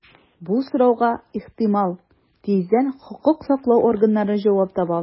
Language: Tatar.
Бу сорауга, ихтимал, тиздән хокук саклау органнары җавап таба алыр.